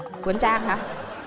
con trang hả